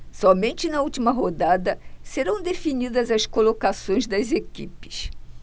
somente na última rodada serão definidas as colocações das equipes